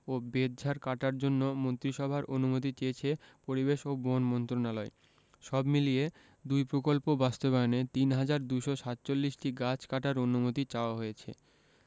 ও বেতঝাড় কাটার জন্য মন্ত্রিসভার অনুমতি চেয়েছে পরিবেশ ও বন মন্ত্রণালয় সব মিলিয়ে দুই প্রকল্প বাস্তবায়নে ৩হাজার ২৪৭টি গাছ কাটার অনুমতি চাওয়া হয়েছে